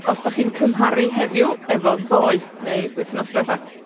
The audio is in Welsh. Os 'dach chi'n cymharu heddiw efo ddoe neu wythnos diwetha.